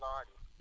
salaamaaleykum